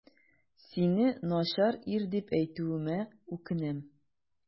Сине начар ир дип әйтүемә үкенәм.